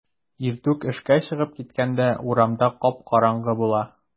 Иртүк эшкә чыгып киткәндә урамда кап-караңгы була.